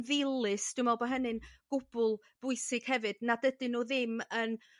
ddilys dwi me'l bo' hynny'n gwbl bwysig hefyd nad ydyn n'w ddim yn